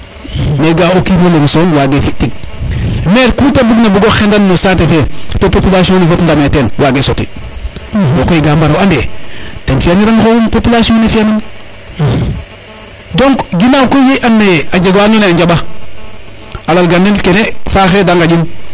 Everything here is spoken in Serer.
mais ga a o kino leŋ som wage fi tig mais ku te bug na xendan no sate fe to population fe fop ndame ten wage soti to koy ga mbaro ande ten fiya niran xoxum population ne fiya nan donc ginaw koy ye i and na ye